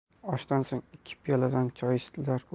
oshdan so'ng ikki piyoladan choy ichdilar